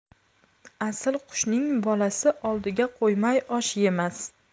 asl qushning bolasi oldiga qo'ymay osh yemas